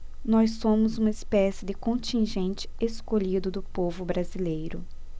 nós somos uma espécie de contingente escolhido do povo brasileiro